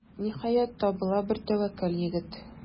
Ниһаять, табыла бер тәвәккәл егет.